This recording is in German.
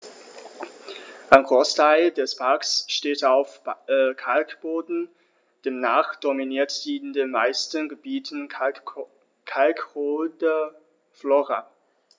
Ein Großteil des Parks steht auf Kalkboden, demnach dominiert in den meisten Gebieten kalkholde Flora.